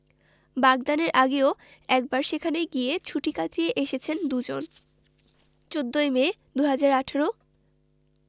বাগদানের আগেও একবার সেখানে গিয়ে ছুটি কাটিয়ে এসেছেন দুজন ১৪ই মে ২০১৮